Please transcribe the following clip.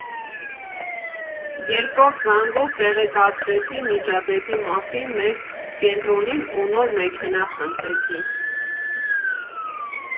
Երկրորդ զանգով տեղեկացրեցի միջադեպի մասին մեր կենտրոնին ու նոր մեքենա խնդրեցի։